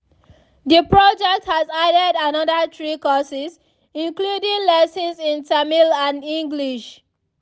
The project has added another three courses, including lessons in Tamil and English.